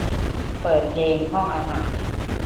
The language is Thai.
เปิดเพลงห้องอาหาร